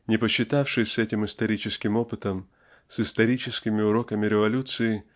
не посчитавшись с этим историческим опытом с историческими уроками революции